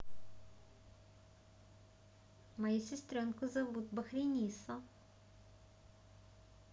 мою сестренку зовут бахринисо